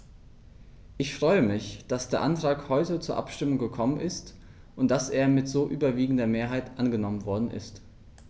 Ich freue mich, dass der Antrag heute zur Abstimmung gekommen ist und dass er mit so überwiegender Mehrheit angenommen worden ist.